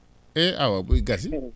e awa gasii